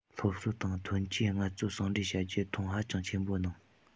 སློབ གསོ དང ཐོན སྐྱེད ངལ རྩོལ ཟུང འབྲེལ བྱ རྒྱུར མཐོང ཧ ཅང ཆེན པོ གནང